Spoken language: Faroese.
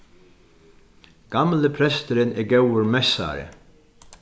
gamli presturin er góður messari